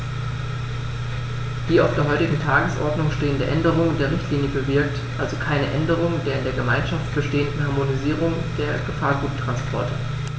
Die auf der heutigen Tagesordnung stehende Änderung der Richtlinie bewirkt also keine Änderung der in der Gemeinschaft bestehenden Harmonisierung der Gefahrguttransporte.